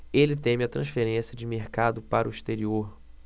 ele teme a transferência de mercado para o exterior